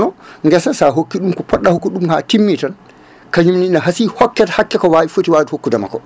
kono guesa sa hokki ɗum ko poɗɗa hokkude ɗum ha timmi tan kañumne ne haasi hokkete hakke ko wawi ko foti wawde hokkudema ko